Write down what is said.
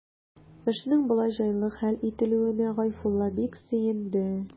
Эшнең болай җайлы хәл ителүенә Гайфулла бик сөенде.